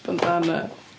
Bandana.